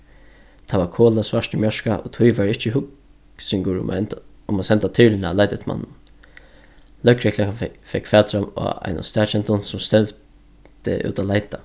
tað var kolasvart í mjørka og tí var ikki hugsingur um at enda um at senda tyrluna at leita eftir manninum løgreglan fekk fekk fatur á einum staðkendum sum stevndi út at leita